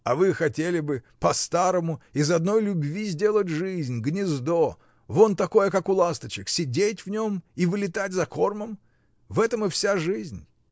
— А вы хотели бы, по-старому, из одной любви сделать жизнь, гнездо — вон такое, как у ласточек, сидеть в нем и вылетать за кормом? В этом и вся жизнь!